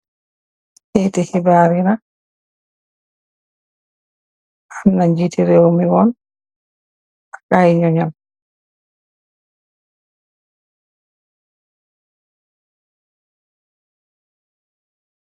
Kayiti xibarr am na ngiiti rew mi hon ak ay ñjoñam.